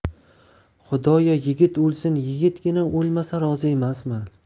xudoyo yigit o'lsin yigitgina o'lmasa rozi emasman